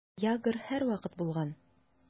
Ягр һәрвакыт булган.